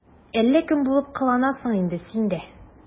Әллә кем булып кыланасың инде син дә...